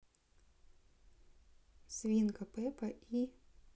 свинка пеппа и